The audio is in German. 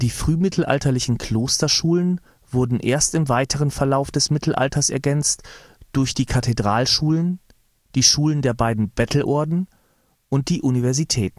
frühmittelalterlichen Klosterschulen wurden erst im weiteren Verlauf des Mittelalters ergänzt durch die Kathedralschulen, die Schulen der beiden Bettelorden und die Universitäten